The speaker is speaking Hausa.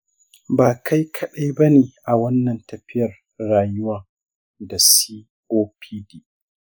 ba kai kaɗai ba ne a wannan tafiyar rayuwa da copd.